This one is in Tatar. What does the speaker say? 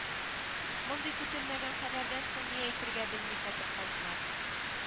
Мондый көтелмәгән хәбәрдән соң ни әйтергә белми катып калдылар